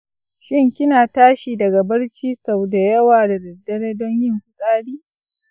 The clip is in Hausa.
shin kina tashi daga barci sau da yawa da daddare don yin fitsari?